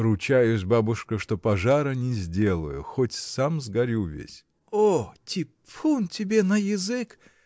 — Ручаюсь, бабушка, что пожара не сделаю, хоть сам сгорю весь. — О, типун тебе на язык!